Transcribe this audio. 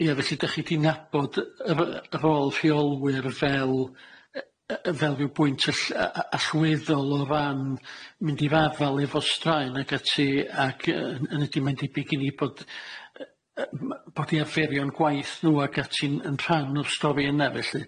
Ie felly dych chi di nabod yy fy- yy yy y rôl rheolwyr fel yy rhyw bwynt all- yy allweddol o ran mynd i'r arfal efo straen ag ati ag yy yn ydi mae'n debyg i ni bod yy m- bod i arferion gwaith nhw ag ati'n yn rhan o'r stori yna felly.